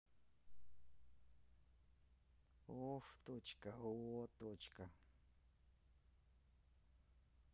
off точка о точка